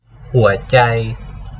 หัวใจ